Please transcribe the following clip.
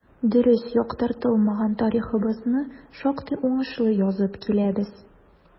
Дөрес яктыртылмаган тарихыбызны шактый уңышлы язып киләбез.